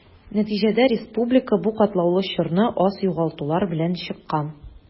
Нәтиҗәдә республика бу катлаулы чорны аз югалтулар белән чыккан.